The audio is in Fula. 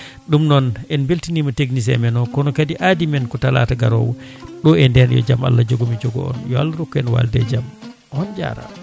ɗum noon en beltinima technicien men o kono kadi aadi men ko tala garowo ɗo e nden yo jaam Allah jogomi jogo on yo Alah rokku en walde e jaam on jarama